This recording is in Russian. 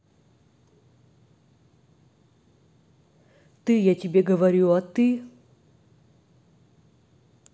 ты я тебе говорю а ты